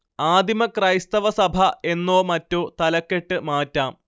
ആദിമ ക്രൈസ്തവ സഭ എന്നോ മറ്റോ തലക്കെട്ട് മാറ്റാം